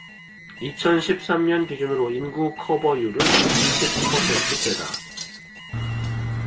이천 십 삼 년 기준으로 인구 커버율은 이십 퍼센트대다